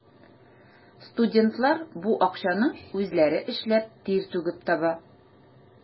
Студентлар бу акчаны үзләре эшләп, тир түгеп таба.